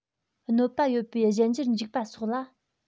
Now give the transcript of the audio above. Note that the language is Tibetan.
གནོད པ ཡོད པའི གཞན འགྱུར འཇིག པ སོགས ལ